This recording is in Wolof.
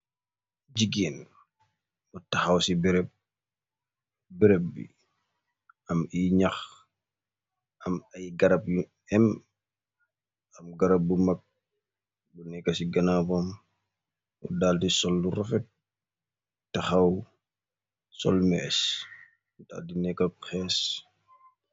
Jigéen, bu taxaw ci berëb, berëb bu am ay ñax, am ay garab yu em, am garab bu mag bu nek si ganaawam, mu dal di sollu ba rafet, taxaw solu mees, dal di neekë ku xees.